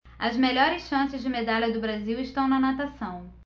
as melhores chances de medalha do brasil estão na natação